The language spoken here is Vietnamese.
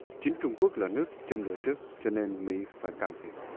chính trung quốc là nước trong lựa trước cho nên mỹ phải can thiệp